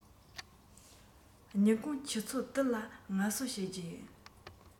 ཉིན གུང ཆུ ཚོད དུ ལ ངལ གསོ བྱེད རྒྱུ ཡིན